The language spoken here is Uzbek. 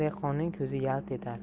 dehqonning ko'zi yalt etar